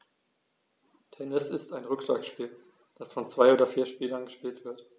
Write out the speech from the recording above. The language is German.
Tennis ist ein Rückschlagspiel, das von zwei oder vier Spielern gespielt wird.